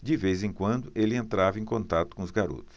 de vez em quando ele entrava em contato com os garotos